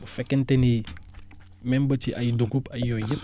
bu fekkente ni même ba ci ay ndugub ay yooyu yépp